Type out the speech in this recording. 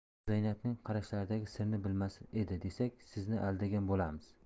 u zaynabning qarashlaridagi sirni bilmas edi desak sizni aldagan bo'lamiz